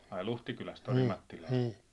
ai Luhtikylästä Orimattilaan